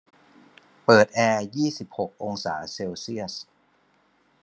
เปิดแอร์ยี่สิบหกองศาเซลเซียส